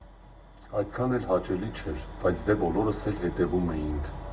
Այդքան էլ հաճելի չէր, բայց դե բոլորս էլ հետևում էինք։